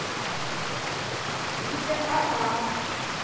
витя ака